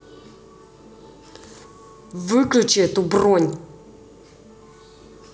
выключи эту бронь